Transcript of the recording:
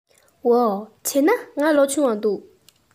འོ བྱས ན ང ལོ ཆུང བ འདུག